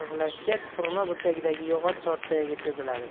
og'irlashgach turma burchagidagi yog'och chorpoyaga cho'ziladi